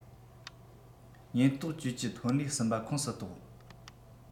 ཉེན རྟོག ཅུའུ ཀྱི ཐོན ལས གསུམ པ ཁོངས སུ གཏོགས